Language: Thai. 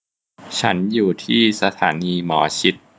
ฉันอยู่ที่สถานีหมอชิต